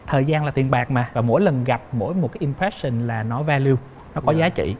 thời gian là tiền bạc mà mỗi lần gặp mỗi một im phát sừn là nó va lưu nó có giá trị